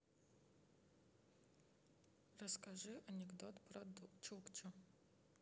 расскажи анекдот про чукчу